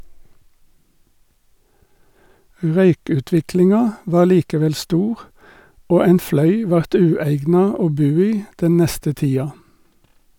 Røykutviklinga var likevel stor, og ein fløy vart ueigna å bu i den neste tida.